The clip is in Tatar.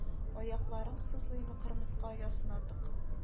Аякларың сызлыймы кырмыска оясына тык